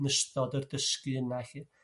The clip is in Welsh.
Yn ystod yr dysgu yna 'lly.